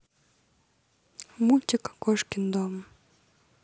мультик кошкин дом